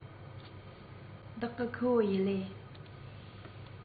བདག གི ཁུ བོ ཡུ ལེ